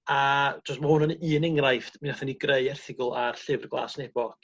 A jys ma' hwn yn un enghraifft mi nathon ni greu erthygl ar Llyfr Glas Nebo.